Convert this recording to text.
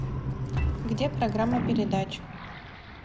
где программа телепередач